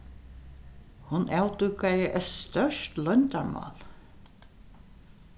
hon avdúkaði eitt stórt loyndarmál